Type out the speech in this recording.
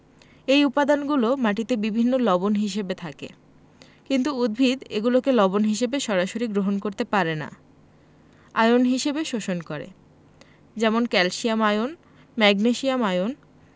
এ উপাদানগুলো মাটিতে বিভিন্ন লবণ হিসেবে থাকে কিন্তু উদ্ভিদ এগুলোকে লবণ হিসেবে সরাসরি গ্রহণ করতে পারে না আয়ন হিসেবে শোষণ করে যেমন ক্যালসিয়াম আয়ন ম্যাগনেসিয়াম আয়ন